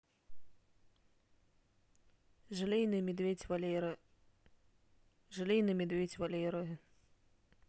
желейный медведь валера желейный медведь валера